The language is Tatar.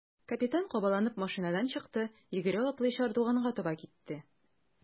Капитан кабаланып машинадан чыкты, йөгерә-атлый чардуганга таба китте.